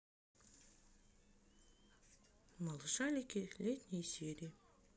малышарики летние серии